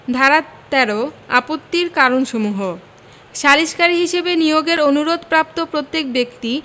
ধারা ১৩ আপত্তির কারণসমূহ সালিসকারী হিসাবে নিয়োগের অনুরোধ প্রাপ্ত প্রত্যেক ব্যক্তি